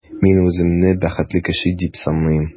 Мин үземне бәхетле кеше дип саныйм.